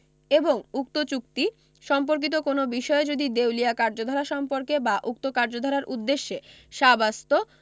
এবং উক্ত চুক্তি সম্পর্কিত কোন বিষয়ে যদি দেউলিয়া কার্যধারা সম্পর্কে বা উক্ত কার্যধারার উদ্দেশ্যে সাব্যস্ত